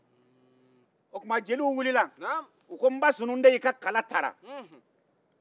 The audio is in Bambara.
o tuma jeliw wulila u ko npasunun den i ka kala tara